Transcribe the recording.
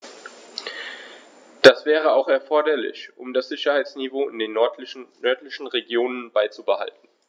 Das wäre auch erforderlich, um das Sicherheitsniveau in den nördlichen Regionen beizubehalten.